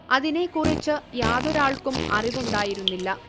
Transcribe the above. അതിനെക്കുറിച്ച് യാതൊരാൾക്കും അറിവുണ്ടായിരുന്നില്ല